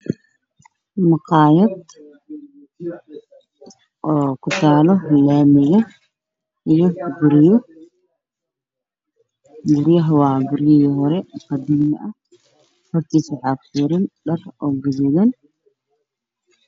Maqayad oo ku taalo laamiga iyo guryo Guryaha wa guryahii hore oo qadiimi ah hortiisa waxa ku waran dhar oo gaduudan